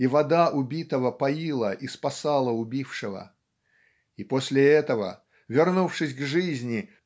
и вода убитого поила и спасала убившего. И после этого вернувшись к жизни